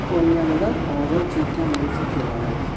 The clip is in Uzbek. qolganidan ozor chekkan bo'lsa kerak